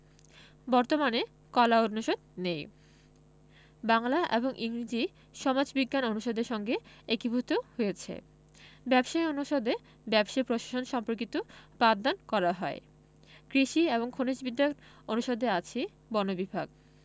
বর্তমানে কলা অনুষদ নেই বাংলা এবং ইংরেজি সমাজবিজ্ঞান অনুষদের সঙ্গে একীভূত হয়েছে ব্যবসায় অনুষদে ব্যবসায় প্রশাসন সম্পর্কিত পাঠদান করা হয় কৃষি এবং খনিজ বিজ্ঞান অনুষদে আছে বন বিভাগ